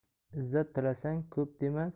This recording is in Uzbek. izzat tilasang ko'p dema